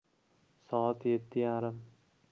soat yetti yarim